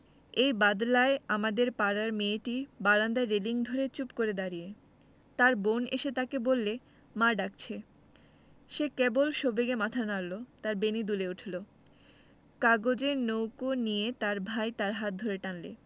এই বাদলায় আমাদের পাড়ার মেয়েটি বারান্দায় রেলিঙ ধরে চুপ করে দাঁড়িয়ে তার বোন এসে তাকে বললে মা ডাকছে সে কেবল সবেগে মাথা নাড়ল তার বেণী দুলে উঠল কাগজের নৌকো নিয়ে তার ভাই তার হাত ধরে টানলে